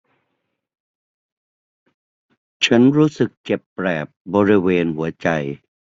ฉันรู้สึกเจ็บแปลบบริเวณหัวใจ